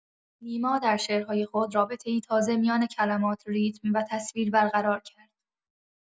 نیما در شعرهای خود رابطه‌ای تازه میان کلمات، ریتم و تصویر برقرار کرد.